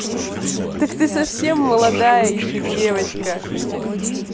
так ты совсем молодая еще девочка